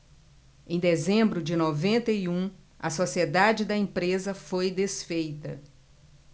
em dezembro de noventa e um a sociedade da empresa foi desfeita